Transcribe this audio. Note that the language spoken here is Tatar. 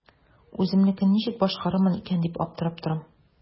Үземнекен ничек башкарырмын икән дип аптырап торам.